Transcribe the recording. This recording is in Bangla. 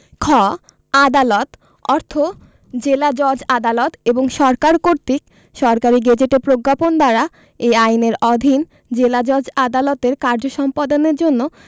খ আদালত অর্থ জেলাজজ আদালত এবং সরকার কর্তৃক সরকারী গেজেটে প্রজ্ঞাপন দ্বারা এই আইনের অধীন জেলাজজ আদালতের কার্য সম্পাদনের জন্য